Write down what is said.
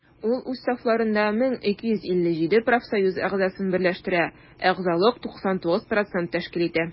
Ул үз сафларында 1257 профсоюз әгъзасын берләштерә, әгъзалык 99 % тәшкил итә.